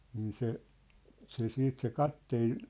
niin se se sitten se kapteeni